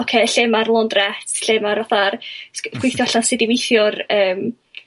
ocê lle ma'r launderette lle ma'r fatha... gweithio allan sud i weithio'r yym